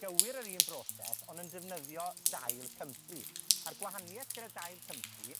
gywir yr un broses on' yn defnyddio dail Comefry. A'r gwahanieth gyda dail Comefry